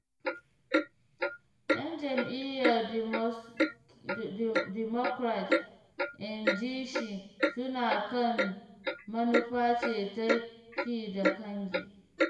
‘Yan jam’iyyar Democrat, inji shi, suna kan manufa ce ta “ƙi da kange.”